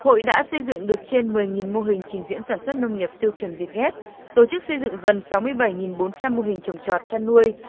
hội đã xây dựng được trên mười nghìn mô hình trình diễn sản xuất nông nghiệp tiêu chuẩn việt ghép tổ chức xây dựng gần sáu mươi bảy nghìn bốn trăm mô hình trồng trọt chăn nuôi